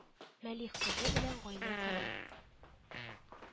Мәлих кызы белән гаилә кора